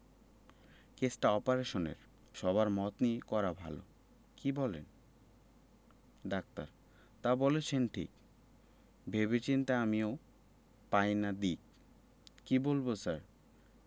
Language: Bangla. কেসটা অপারেশনের তাই সবার মত নিয়েই করা ভালো কি বলেন ডাক্তার তা বলেছেন ঠিক ভেবে চিন্তে আমিও পাই না দিক কি বলব স্যার